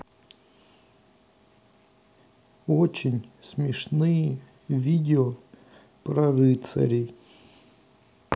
очень смешные видео про рыцарей